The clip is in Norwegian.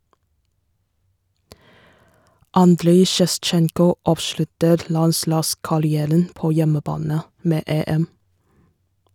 Andrij Sjevtsjenko avslutter landslagskarrieren på hjemmebane - med EM.